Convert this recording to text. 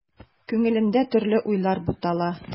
Күңелендә төрле уйлар бутала.